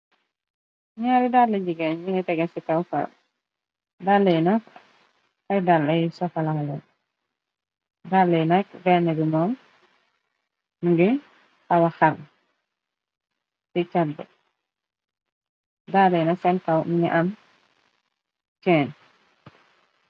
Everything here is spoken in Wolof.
Naari dalla jigéen ningi tega ci taw far na ay dall ay sokola dalleyinak bennege moom mungi awa xar ci carb dalla yi nak senkaw mini am cenn.